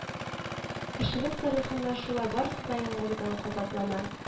Кешелек тарихында шулай барысы да яңадан кабатлана: